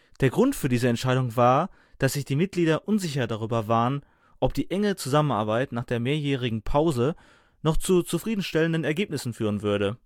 Der Grund für diese Entscheidung war, dass sich die Mitglieder unsicher darüber waren, ob die enge Zusammenarbeit nach der mehrjährigen Pause noch zu zufriedenstellenden Ergebnissen führen würde